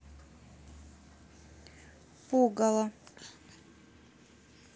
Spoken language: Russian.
пугало